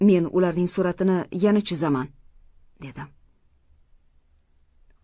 men ularning suratini yana chizaman dedim